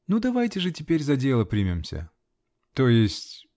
) Ну давайте же теперь за дело примемся. -- То есть.